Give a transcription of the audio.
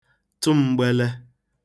tụ m̄gbēlē